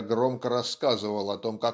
я громко рассказывал о том